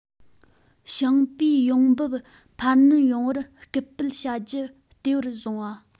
ཞིང པའི ཡོང འབབ འཕར སྣོན ཡོང བར སྐུལ སྤེལ བྱ རྒྱུ ལྟེ བར བཟུང བ